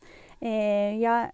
Jeg...